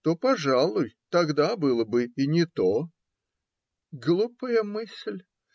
то, пожалуй, тогда было бы и не то. Глупая мысль!